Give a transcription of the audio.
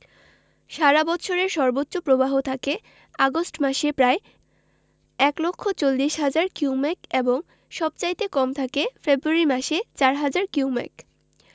সারা বৎসরের সর্বোচ্চ প্রবাহ থাকে আগস্ট মাসে প্রায় এক লক্ষ চল্লিশ হাজার কিউমেক এবং সবচাইতে কম থাকে ফেব্রুয়ারি মাসে ৪ হাজার কিউমেক